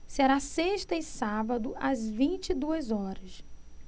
será sexta e sábado às vinte e duas horas